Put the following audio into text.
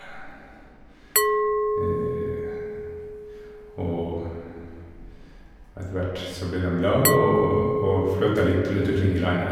og Og etter hvert så ble dem i lag og og flytta litt rundt omkring i landet.